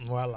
voilà